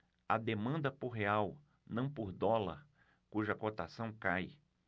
há demanda por real não por dólar cuja cotação cai